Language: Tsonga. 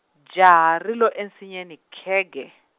jaha ri lo ensinyeni khegee.